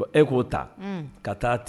E k'o ta. Un. Ka taa